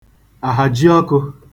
àhàjiọkụ̄